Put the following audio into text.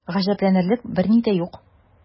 Гаҗәпләнерлек берни дә юк.